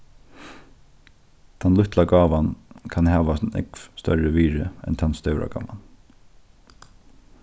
tann lítla gávan kann hava nógv størri virði enn tann stóra gávan